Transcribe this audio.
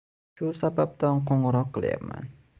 shu sababdan qo'ng'iroq qilayapman